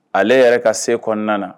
Ale yɛrɛ ka se kɔnɔna na